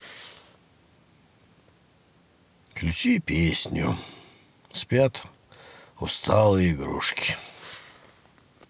включи песню спят усталые игрушки